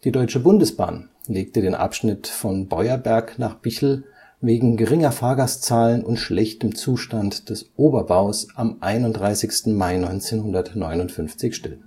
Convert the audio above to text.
Deutsche Bundesbahn legte den Abschnitt von Beuerberg nach Bichl wegen geringer Fahrgastzahlen und schlechtem Zustand des Oberbaus am 31. Mai 1959 still